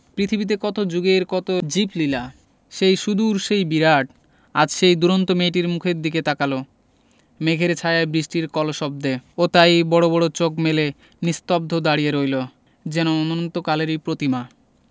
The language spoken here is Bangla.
পৃথিবীতে কত জুগের কত জীবলীলা সেই সুদূর সেই বিরাট আজ এই দুরন্ত মেয়েটির মুখের দিকে তাকাল মেঘের ছায়ায় বৃষ্টির কলশব্দে ও তাই বড় বড় চোখ মেলে নিস্তব্ধ দাঁড়িয়ে রইল যেন অনন্তকালেরই প্রতিমা